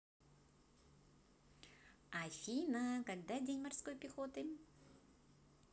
афина когда день морской пехоты